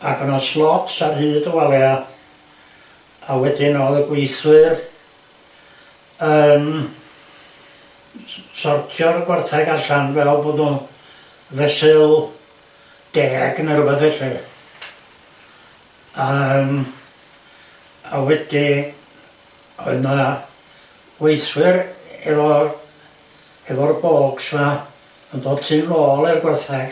Ac o'na slots ar hyd y walia a wedyn o'dd y gweithwyr yn sortio'r gwartheg allan fel bod n'w fesul deg neu rwbath felly a yym a wedyn o'dd 'na gweithwyr efo efo'r baulks 'ma yn dod tu ôl i'r gwartheg